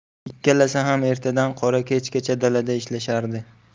ikkalasi ham ertadan qora kechgacha dalada ishlashardi